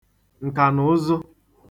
ǹkànụzụ